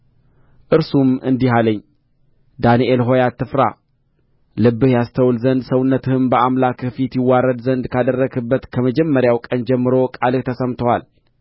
እርሱም እንዲህ አለኝ ዳንኤል ሆይ አትፍራ ልብህ ያስተውል ዘንድ ሰውነትህም በአምላክህ ፊት ይዋረድ ዘንድ ካደረግህበት ከመጀመሪያው ቀን ጀምሮ ቃልህ ተሰምቶአል